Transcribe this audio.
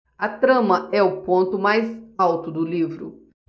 a trama é o ponto mais alto do livro